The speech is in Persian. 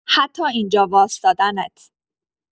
حتی اینجا وایستادنت